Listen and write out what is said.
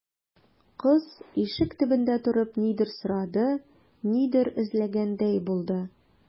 Кыз, ишек төбендә торып, нидер сорады, нидер эзләгәндәй булды.